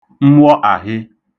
mwọ'àhe